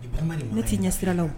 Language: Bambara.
Ne t'i ɲɛsira la o